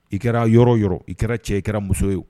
I kɛra yɔrɔ yɔrɔ i kɛra cɛ i kɛra muso ye